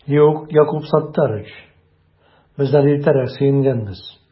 Юк, Якуб Саттарич, без әле иртәрәк сөенгәнбез